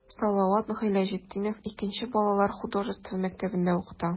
Салават Гыйләҗетдинов 2 нче балалар художество мәктәбендә укыта.